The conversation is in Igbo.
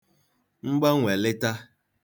mgbanwèlita